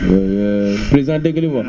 président dégg nga li mu wax